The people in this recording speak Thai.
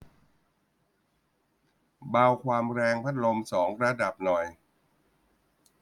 เบาความแรงพัดลมสองระดับหน่อย